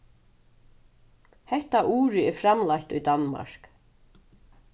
hetta urið er framleitt í danmark